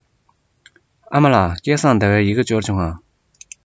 ཨ མ ལགས སྐལ བཟང ཟླ བའི ཡི གེ འབྱོར བྱུང ངམ